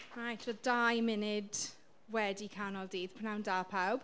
Reit tua dau munud wedi canol dydd. Pnawn da pawb.